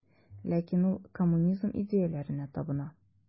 Ләкин ул коммунизм идеяләренә табына.